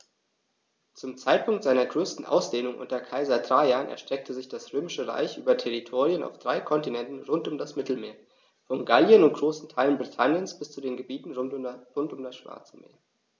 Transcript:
Zum Zeitpunkt seiner größten Ausdehnung unter Kaiser Trajan erstreckte sich das Römische Reich über Territorien auf drei Kontinenten rund um das Mittelmeer: Von Gallien und großen Teilen Britanniens bis zu den Gebieten rund um das Schwarze Meer.